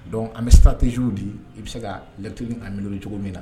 Donc an bɛ _ stratégies di , i bɛ se ka lecture améliorer cogo min na.